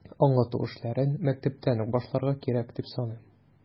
Аңлату эшләрен мәктәптән үк башларга кирәк, дип саныйм.